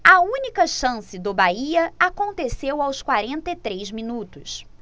a única chance do bahia aconteceu aos quarenta e três minutos